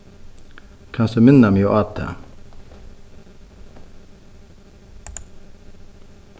kanst tú minna meg á tað